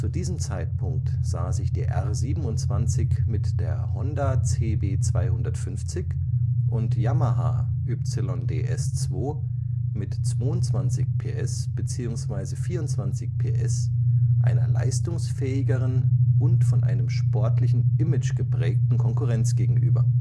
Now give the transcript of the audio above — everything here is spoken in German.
diesem Zeitpunkt sah sich die R 27 mit der Honda CB 250 und Yamaha YDS-2 mit 22 PS beziehungsweise 24 PS einer leistungsfähigeren und von einem sportlichen Image geprägten Konkurrenz gegenüber